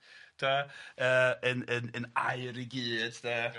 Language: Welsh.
Tibod yy yn yn yn aur i gyd de, ia.